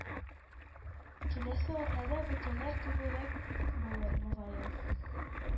Киләсе атнада бөкеләр күбрәк булыр, мөгаен.